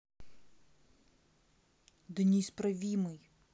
да неисправимый